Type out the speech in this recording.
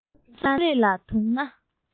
ཁྱོད རང རྩོམ རིག ལ དུངས ན